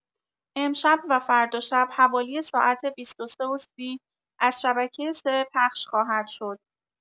امشب و فردا شب حوالی ساعت ۲۳: ۳۰ از شبکه سه پخش خواهد شد.